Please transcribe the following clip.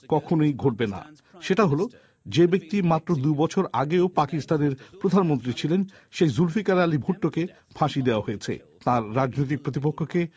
কখনোই ঘটবে না সেটা হলো যে ব্যক্তি মাত্র দু'বছর আগেও পাকিস্তানের প্রধানমন্ত্রী ছিলেন সেই জুলফিকার আলী ভুট্টোকে ফাঁসি দেয়া হয়েছে তার রাজনৈতিক প্রতিপক্ষকে